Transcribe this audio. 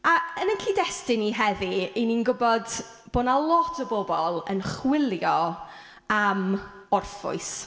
A yn ein cyd-destun ni heddi, 'y ni'n gwybod bo' 'na lot o bobl yn chwilio am orffwys.